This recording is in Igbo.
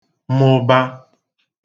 mụba